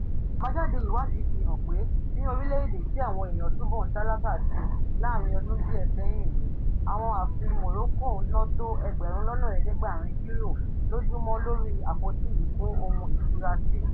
Àbájade iwadìí fi hàn pé ní orílẹ̀-èdè tí àwọn eèyàn túbọ̀ ń tálákà si láàáarín ọdún díẹ̀ sẹ́yìn yìí, àwọn aàfin Morocco n ná tó 700,000 Euros lójúmọ́ lórí àpótí ìkó-ohun-ìṣura sí.